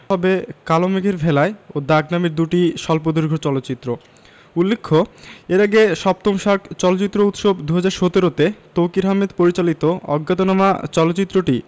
হবে কালো মেঘের ভেলায় ও দাগ নামের দুটি স্বল্পদৈর্ঘ চলচ্চিত্র উল্লেখ্য এর আগে ৭ম সার্ক চলচ্চিত্র উৎসব ২০১৭ তে তৌকীর আহমেদ পরিচালিত অজ্ঞাতনামা চলচ্চিত্রটি